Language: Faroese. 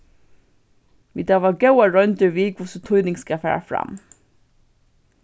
vit hava góðar royndir við hvussu týning skal fara fram